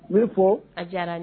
U bɛ fɔ a diyara n ye